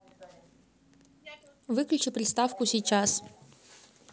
выключи приставку сейчас